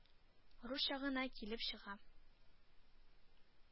Русча гына килеп чыга.